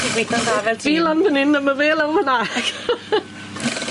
Ti'n gweitho'n dda fel tîm? Fi lan fan 'yn a ma' fe lawr fan 'na.